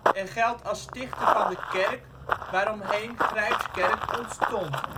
en geldt als stichter van de kerk waaromheen Grijpskerk ontstond